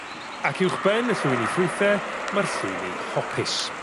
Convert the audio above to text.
Ac uwch ben y llwyni ffrwythe ma'r llwyni hopys.